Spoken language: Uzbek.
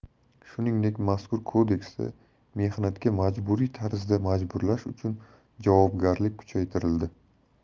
shuningdek mazkur kodeksda mehnatga ma'muriy tarzda majburlash uchun javobgarlik kuchaytirildi